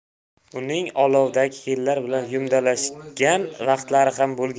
uning ovuldagi kelinlar bilan yumdalashgan vaqtlari ham bo'lgandi